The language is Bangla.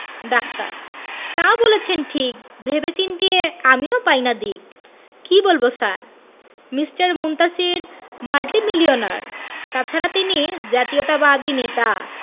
ডাক্তার তা বলেছেন ঠিক ভেবে চিন্তে আমিও পাই না দিক কি বলব স্যার মিঃ মুনতাসীর মাল্টিমিলিওনার তাছাড়া তিনি জাতীয়তাবাদী নেতা